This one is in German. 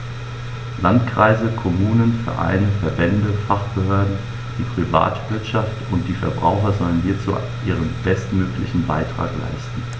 Landkreise, Kommunen, Vereine, Verbände, Fachbehörden, die Privatwirtschaft und die Verbraucher sollen hierzu ihren bestmöglichen Beitrag leisten.